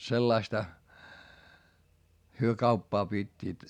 sellaista he kauppaa pitivät